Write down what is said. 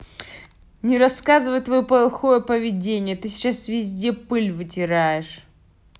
не рассказывает твое плохое поведение ты сейчас везде пыль вытираешь